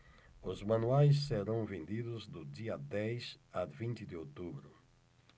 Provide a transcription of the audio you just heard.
os manuais serão vendidos do dia dez a vinte de outubro